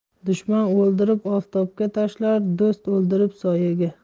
dushman o'ldirib oftobga tashlar do'st o'ldirib soyaga